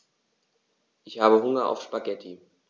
Ich habe Hunger auf Spaghetti.